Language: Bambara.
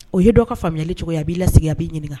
O ye dɔ ka faamuyayalicogo ye a b'i sigi a bɛ ɲini